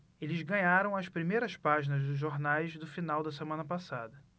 eles ganharam as primeiras páginas dos jornais do final da semana passada